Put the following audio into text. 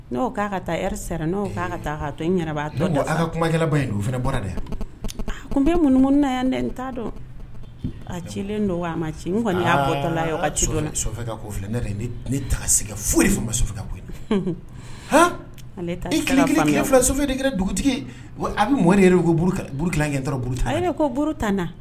N' ka taa sara n' ka taa b' aw ka kumakɛ ye o fana bɔra dɛ kun n bɛ munumunu na yan' dɔn a cilen don ma ne ne foyi de bɛ bɔ ale de dugutigi a bɛ mori yɛrɛkɛuru tan yɛrɛ kouru tan na